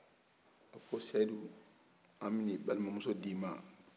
a' ko sɛyidu an bina i balima muso di ma